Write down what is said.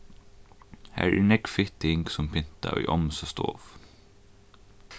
har eru nógv fitt ting sum pynta í ommusa stovu